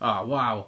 O waw!